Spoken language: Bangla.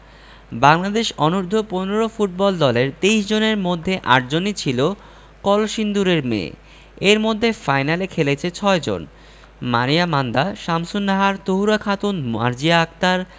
বাংলাদেশ অনূর্ধ্ব ১৫ ফুটবল দলের ২৩ জনের মধ্যে ৮ জনই ছিল কলসিন্দুরের মেয়ে এর মধ্যে ফাইনালে খেলেছে ৬ জন মারিয়া মান্দা শামসুন্নাহার তহুরা খাতুন মার্জিয়া আক্তার